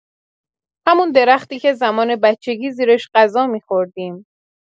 همون درختی که زمان بچگی زیرش غذا می‌خوردیم.